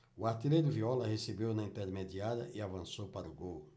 o artilheiro viola recebeu na intermediária e avançou para o gol